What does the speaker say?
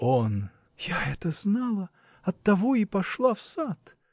— Он. — Я это знала, оттого и пошла в сад.